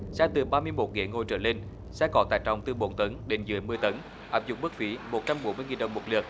xe từ ba mươi mốt ghế ngồi trở lên xe có tải trọng từ bốn tấn đến dưới mười tấn áp dụng mức phí một trăm bốn mươi nghìn đồng một lượt